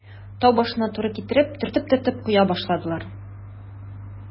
Тау башына туры китереп, төртеп-төртеп коя башладылар.